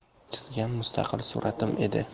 chizgan mustaqil suratim edi